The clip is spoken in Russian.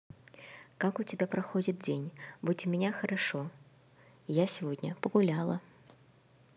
как у тебя проходит день будь у меня хорошо я сегодня погуляла